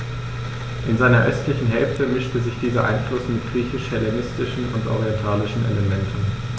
In seiner östlichen Hälfte mischte sich dieser Einfluss mit griechisch-hellenistischen und orientalischen Elementen.